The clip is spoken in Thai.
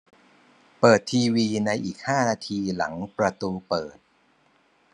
เปิดทีวีในอีกห้านาทีหลังประตูเปิด